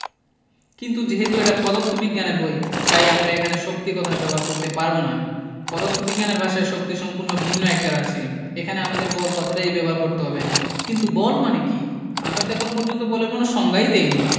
কিন্তু যেহেতু এটা পদার্থবিজ্ঞানের বই তাই আমরা এখানে শক্তি কথাটা ব্যবহার করতে পারব না পদার্থবিজ্ঞানের ভাষায় শক্তি সম্পূর্ণ ভিন্ন একটা রাশি এখানে আমাদের বল কথাটাই ব্যবহার করতে হবে কিন্তু বল মানে কী আমরা তো এখন পর্যন্ত বলের কোনো সংজ্ঞা দিইনি